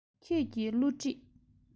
ཁྱེད ཀྱི བསླུ བྲིད